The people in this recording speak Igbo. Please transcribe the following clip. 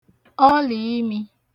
ọlìimī